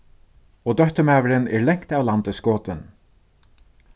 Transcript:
og dótturmaðurin er langt av landi skotin